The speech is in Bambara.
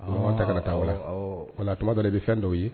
Ta kana taa yɔrɔ la. Voilà tuma dɔ la i bi fɛn dɔw ye